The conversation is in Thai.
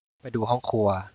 ไปดูห้องครัว